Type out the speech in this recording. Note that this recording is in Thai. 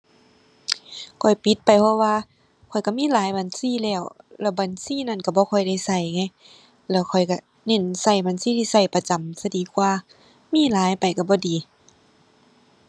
ข้อยปิดไปเพราะว่า ข้อยก็มีหลายบัญชีแล้ว แล้วบัญชีนั้นก็บ่ค่อยได้ก็ไง แล้วข้อยก็เน้นก็บัญชีที่ก็ประจำซะดีกว่า มีหลายไปก็บ่ดี